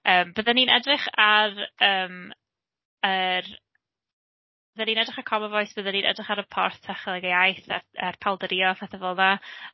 Yym bydden i'n edrych ar yym yr... bydden i'n edrych ar Common Voice, bydden i'n edrych ar y Porth Technolegau Iaith, ar Paldaruo a pethe fel 'na.